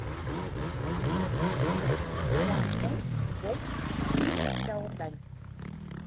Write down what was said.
one and bomb сяодань